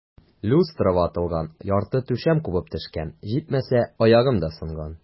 Люстра ватылган, ярты түшәм кубып төшкән, җитмәсә, аягым да сынган.